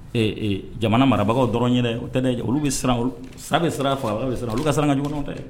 Ee jamana marabagaw dɔrɔn o tɛ olu bɛ siran bɛ sara a faga bɛ olu ka siran ka ɲɔgɔnw tɛ dɛ